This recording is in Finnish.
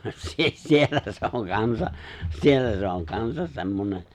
-- siellä se on kanssa siellä se on kanssa semmoinen